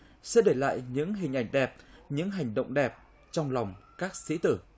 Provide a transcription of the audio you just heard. sẽ để lại những hình ảnh đẹp những hành động đẹp trong lòng các sĩ tử